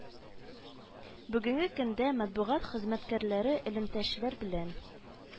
Бүгенге көндә матбугат хезмәткәрләре элемтәчеләр белән